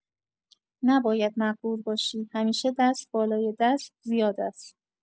نباید مغرور باشی، همیشه دست بالای دست زیاد است.